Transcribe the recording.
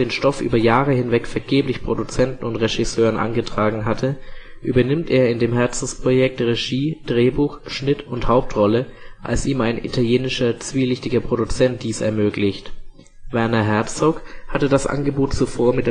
Stoff über Jahre hinweg vergeblich Produzenten und Regisseuren angetragen hatte, übernimmt er in dem Herzensprojekt Regie, Drehbuch, Schnitt und Hauptrolle, als ihm ein italienischer, zwielichtiger Produzent dies ermöglicht. Werner Herzog hatte das Angebot zuvor